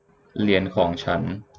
เหรียญของฉัน